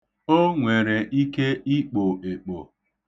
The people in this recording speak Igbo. O nwere ike ikpo ekpo.